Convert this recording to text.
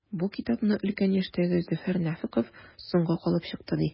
Бу китапны өлкән яшьтәге Зөфәр Нәфыйков “соңга калып” чыкты, ди.